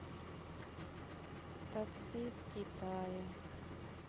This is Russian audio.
такси в китае